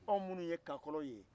anw minnu ye kakɔlɔw ye